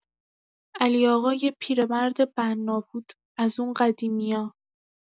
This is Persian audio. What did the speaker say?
علی‌آقا یه پیرمرد بنا بود، از اون قدیمیا.